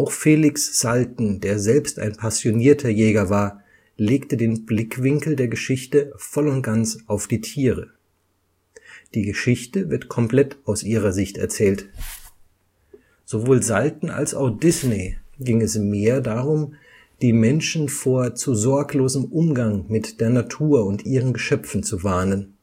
Felix Salten, der selbst ein passionierter Jäger war, legte den Blickwinkel der Geschichte voll und ganz auf die Tiere. Die Geschichte wird komplett aus ihrer Sicht erzählt. Sowohl Salten als auch Disney ging es mehr darum, die Menschen vor zu sorglosem Umgang mit der Natur und ihren Geschöpfen zu warnen